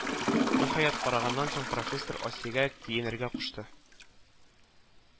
Ниһаять, караганнан соң, профессор Асиягә киенергә кушты